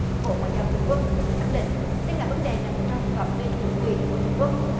bộ ngoại giao trung quốc khẳng định đây là vấn đề nằm trong phạm vi chủ quyền của trung quốc